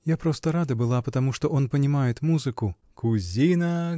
— Я просто рада была потому, что он понимал музыку. — Кузина!